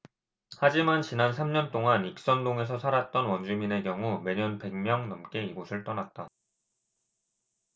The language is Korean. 하지만 지난 삼 년동안 익선동에서 살았던 원주민의 경우 매년 백 명 넘게 이곳을 떠났다